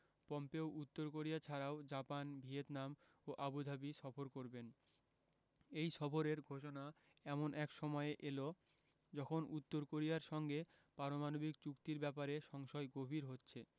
Pompeo উত্তর Korea ছাড়াও Japan Vietnam ও আবুধাবি সফর করবেন এই সফরের ঘোষণা এমন এক সময়ে এল যখন উত্তর কোরিয়ার সঙ্গে পারমাণবিক চুক্তির ব্যাপারে সংশয় গভীর হচ্ছে